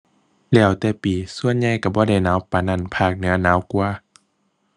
แล้วแต่ปี ส่วนใหญ่ก็บ่ได้หนาวปานนั้น ภาคเหนือหนาวกว่า